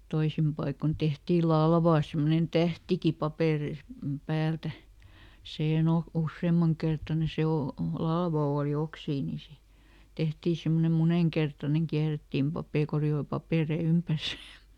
toisin paikoin tehtiin latvaan semmoinen tähtikin - päältä siihen - useamman kertainen se - latva oli oksiakin niin se tehtiin semmoinen monenkertainen käärittiin - koreiden papereiden ympäri